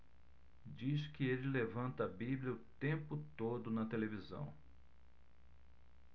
diz que ele levanta a bíblia o tempo todo na televisão